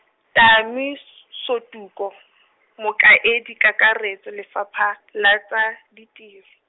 Tami s- Sokutu , mokaedi kakaretso Lefapha, la tsa, Ditir-.